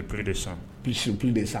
Ppere de san psp de sa